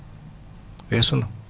waasu na